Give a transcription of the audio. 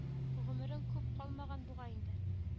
Гомерең күп калмаган бугай инде